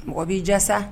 Mɔgɔ b'i ja sa